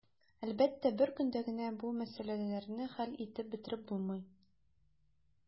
Әлбәттә, бер көндә генә бу мәсьәләләрне хәл итеп бетереп булмый.